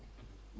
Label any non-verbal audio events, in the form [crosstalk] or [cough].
[hesitation] [hesitation]